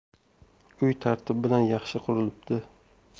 uy tartib bilan yaxshi qurilibdi